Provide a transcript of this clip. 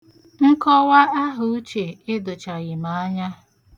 Nkọwa ahauche edochaghị m anya.